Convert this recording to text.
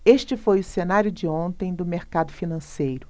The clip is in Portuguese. este foi o cenário de ontem do mercado financeiro